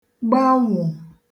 gbanwò